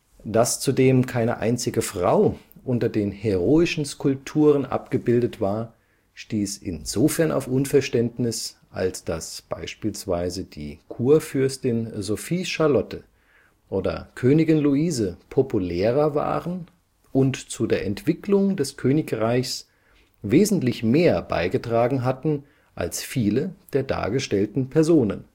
Dass zudem keine einzige Frau unter den heroischen Skulpturen abgebildet war, stieß insofern auf Unverständnis, als dass beispielsweise die Kurfürstin Sophie Charlotte oder Königin Luise populärer waren und zu der Entwicklung des Königreichs wesentlich mehr beigetragen hatten als viele der dargestellten Personen